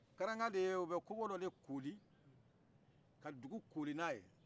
karanka de ye u bɛ koko dɔ de kooli ka dugu kooli n'a ye